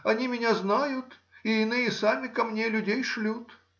Они меня знают и иные сами ко мне людей шлют.